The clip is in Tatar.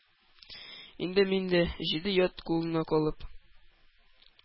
Инде мин дә, җиде ят кулына калып